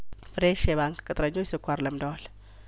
ፍሬሽ የባንክ ቅጥረኞች ስኳር ለምደዋል